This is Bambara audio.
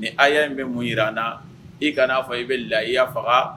ni a' in bɛ mun jira an na i kana n'a fɔ i bɛ la i y'a faga